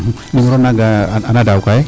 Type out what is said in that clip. Numero naga ana daawkaa yee .